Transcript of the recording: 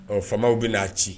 Ɔ faamaw bɛ'a ci